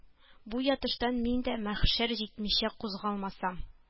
Бу ятыштан мин дә мәхшәр җитмичә кузгалмасам